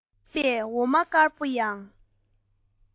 སེམས པས འོ མ དཀར པོ ཡང